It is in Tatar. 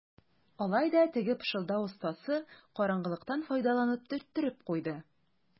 Алай да теге пышылдау остасы караңгылыктан файдаланып төрттереп куйды.